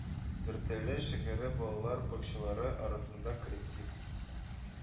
Дүртөйле шәһәре балалар бакчалары арасында Коллектив